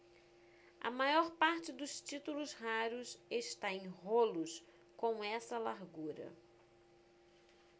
a maior parte dos títulos raros está em rolos com essa largura